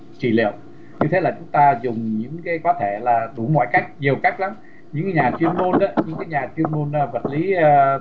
trị liệu như thế là chúng ta dùng những cái có thể là đủ mọi cách nhiều cách lắm những nhà chuyên môn á những nhà chuyên môn vật lý